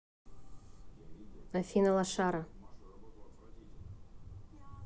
афина лошара